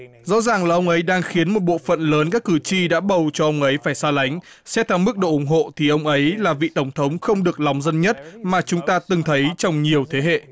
rõ ràng là ông ấy đang khiến một bộ phận lớn các cử tri đã bầu cho ông ấy phải xa lánh sẽ tăng mức độ ủng hộ thì ông ấy là vị tổng thống không được lòng dân nhất mà chúng ta từng thấy trong nhiều thế hệ